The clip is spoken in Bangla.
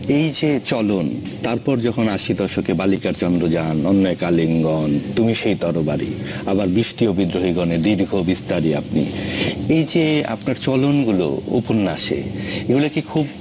এই যে চলন তারপর আশির দশকে বালিকার চন্দ্রযান অনেক আলিঙ্গন তুমি সেই তরবারি আবার বৃষ্টি ও বিদ্রোহীগণ দীর্ঘ বিস্তারি আপনি এই যে আপনার চলন গুলো উপন্যাসে এগুলো কি খুব